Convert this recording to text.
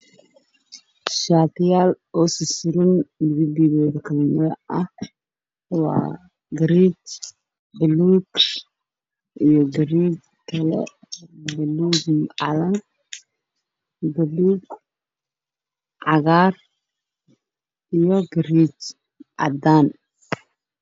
Meeshaan waxaa ka muuqdo shaatiyaal meel sursuran